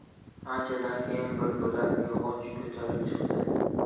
anchadan keyin bir bo'lak yog'och ko'tarib chiqdi